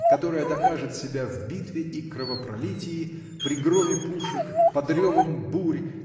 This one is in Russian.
которая докажет себя в битве и кровопролитии при громе пушек под ревом бурь